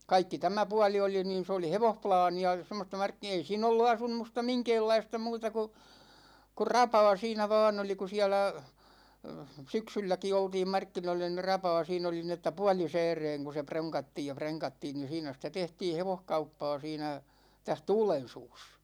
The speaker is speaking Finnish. kaikki tämä puoli oli niin se oli hevosplaania semmoista - ei siinä ollut asumusta minkäänlaista muuta kuin kuin rapaa siinä vain oli kun siellä syksylläkin oltiin markkinoilla niin rapaa siinä oli niin että puolisääreen kun pronkattiin ja prenkattiin niin siinä sitä tehtiin hevoskauppaa siinä tässä Tuulensuussa